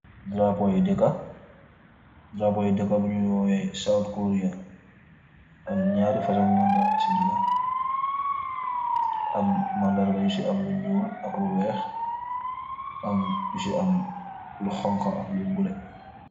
Drapo yi dekka bunu woowe South Corea am naari fasal mandarga ci dega am mandarga yu ci am lu nuul ak lu weex am yu ci am lu xonko ak lu bulo.